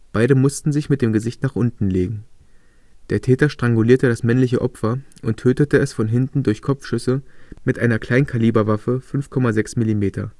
Beide mussten sich mit dem Gesicht nach unten legen. Der Täter strangulierte das männliche Opfer und tötete es von hinten durch Kopfschüsse mit einer Kleinkaliberwaffe 5,6 Millimeter